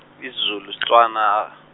isiZulu Setswana.